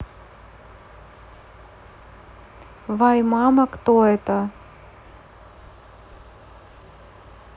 вай мама кто это